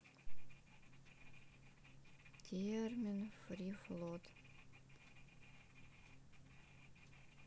термин фрифлот